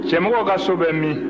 cɛmɔgɔ ka so bɛ min